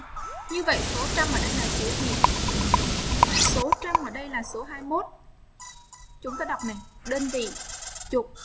như vậy số chăm ở đây là số gì số cho mày đây là số chúng ta đọc đơn vị chụp